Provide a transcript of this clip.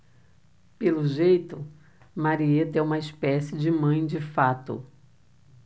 pelo jeito marieta é uma espécie de mãe de fato